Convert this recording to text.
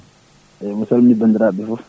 eyyi mi salmini bandiraɓe foof